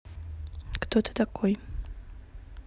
кто ты такой